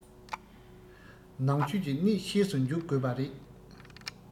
ནང ཆོས ཀྱི གནད ཤེས སུ འཇུག དགོས པ རེད